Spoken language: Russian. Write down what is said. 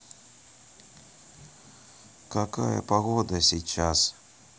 какая погода сейчас